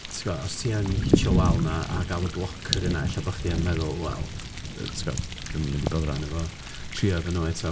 Tibod? Os ti yn hitio wal 'na, a gael y blocker yna, ella bo' chdi yn meddwl "Wel, tibod, dwi'm yn mynd i boddran efo... trio efo nhw eto."